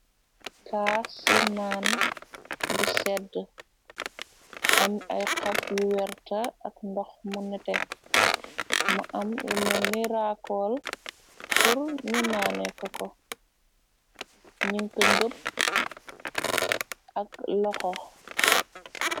Kaasinaan bu sedde am ay xob yu werta ak ndox mu nete mu am lumeni raakool pur ni naane ko ko ninkë ngëpp ak loxo.